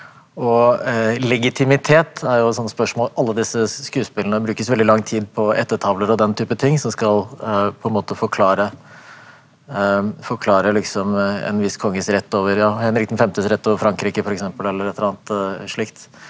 og legitimitet er jo et sånt spørsmål alle disse skuespillene brukes veldig lang tid på ættetavler og den type ting som skal på en måte forklare forklare liksom en viss kongens rett over ja Henrik den femtes rett over Frankrike f.eks. eller etter eller annet slikt.